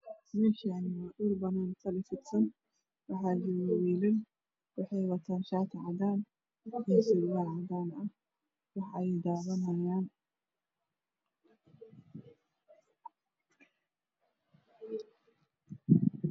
Meeshaan waa dhul banaan ah oo sali kufidsan yahay waxaa joogo wiilal waxay wataan shaati cadaan ah iyo surwaal cadaan ah wax ayay daawanaayaan.